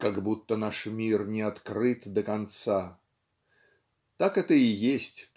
"как будто наш мир не открыт до конца". Так это и есть